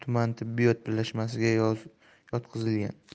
bilan tuman tibbiyot birlashmasiga yotqizilgan